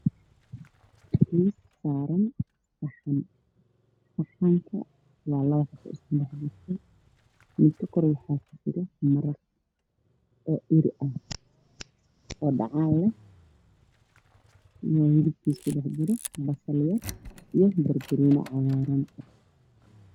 Waa miiska xasaran saxan uu ku jiro khudaar iyo koob uu ku jiro kafee khudaarta waa hilib iyo sugo